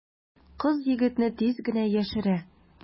Кыз егетне тиз генә яшерә.